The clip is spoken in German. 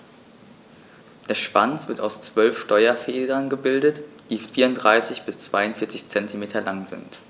Der Schwanz wird aus 12 Steuerfedern gebildet, die 34 bis 42 cm lang sind.